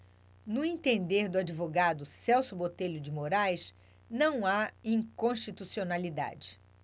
no entender do advogado celso botelho de moraes não há inconstitucionalidade